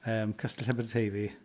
Yym, Castell Aberteifi.